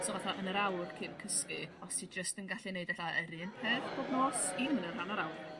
So fatha yn yr awr cyn cysgu os ti jyst yn gallu neud ella yr un peth bob nos even yn yr hannar awr.